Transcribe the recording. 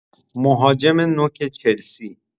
مهاجم نوک چلسی